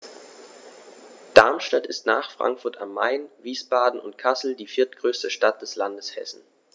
Darmstadt ist nach Frankfurt am Main, Wiesbaden und Kassel die viertgrößte Stadt des Landes Hessen